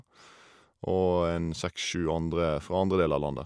Og en seks sju andre fra andre deler av landet.